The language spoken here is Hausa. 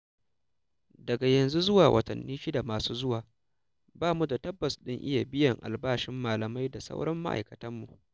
Daga yanzu zuwa watanni shida masu zuwa, ba mu da tabbas ɗin iya biyan albashin malamai da sauran ma'aikatanmu.